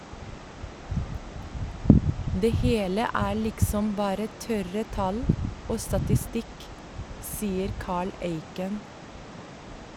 Det hele er liksom bare tørre tall og statistikk, sier Karl Eiken.